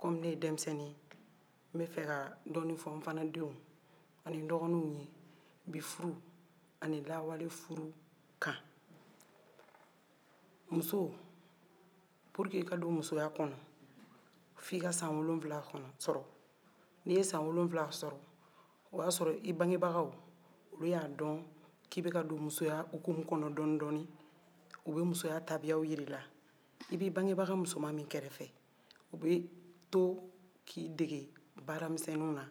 kɔmi ne ye denmisɛnni ye n bɛ fɛ ka dɔɔnin fɔ n fana denw ani n dɔgɔninw ye bi furu ani lawale furu kan muso pourque e ka don musoya kɔnɔ f'i ka san wolonwula sɔrɔ ni ye san wolonwula sɔrɔ o b'a sɔrɔ i bangebagaw olu y''a don k'i bɛ ka don musoya hukumu kɔnɔ dɔɔni-dɔɔni u bɛ musoya tabiyaw yir'i la i b'i bangebaga musoma min kɛrɛfɛ o bɛ to k'e dege baara minsɛnninw na